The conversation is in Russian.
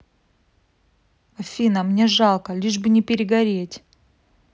афина мне жалко лишь бы не перегореть